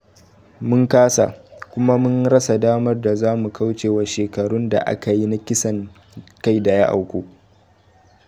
Mun kasa, kuma mun rasa damar da za mu kauce wa shekarun da aka yi na kisan kai da ya auku.